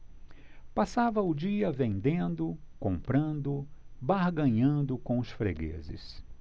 passava o dia vendendo comprando barganhando com os fregueses